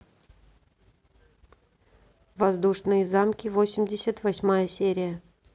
воздушные замки восемьдесят восьмая серия